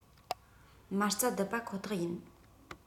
མ རྩ རྡིབ པ ཁོ ཐག ཡིན